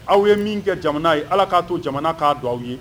Aw ye min kɛ jamana ye ala k'a to jamana'a don aw ye